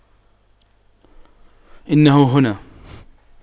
إنه هنا